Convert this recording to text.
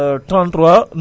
lu sama boroom def ñu def ko